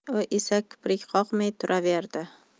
u esa kiprik qoqmay turaverdi